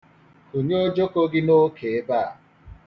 Kụnye ojoko gị n'okè ebe a.